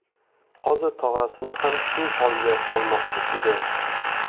hozir tog'asini ham shu holga solmoqchi edi